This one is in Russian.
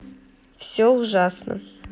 все ужасно